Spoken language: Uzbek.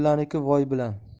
mullaniki voy bilan